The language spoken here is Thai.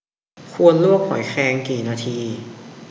ควรลวกหอยแครงกี่นาที